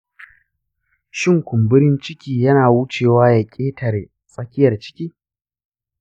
shin kumburin ciki yana wucewa ya ƙetare tsakiyar ciki?